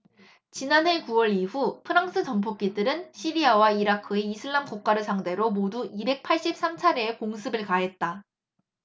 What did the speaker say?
지난해 구 월 이후 프랑스 전폭기들은 시리아와 이라크의 이슬람국가를 상대로 모두 이백 팔십 삼 차례의 공습을 가했다